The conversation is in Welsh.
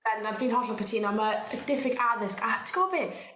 Yy na fi'n hollol cytuno ma' yy diffyg addysg a t'gwbo be?